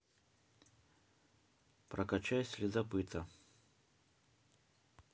прокачай следопыта